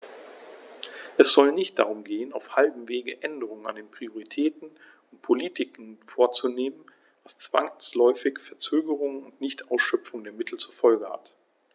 Es sollte nicht darum gehen, auf halbem Wege Änderungen an den Prioritäten und Politiken vorzunehmen, was zwangsläufig Verzögerungen und Nichtausschöpfung der Mittel zur Folge hat.